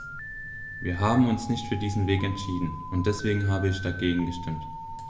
Wir haben uns nicht für diesen Weg entschieden, und deswegen habe ich dagegen gestimmt.